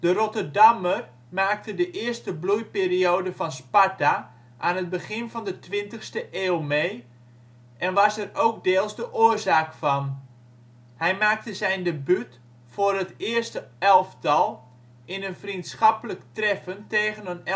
Rotterdammer maakte de eerste bloeiperiode van Sparta aan het begin van de twintigste eeuw mee, en was er ook deels de oorzaak van. Hij maakte zijn debuut voor het eerste elftal in een vriendschappelijk treffen tegen